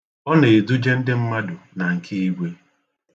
Ọ na-eduje ndị mmadụ na nke Igwe.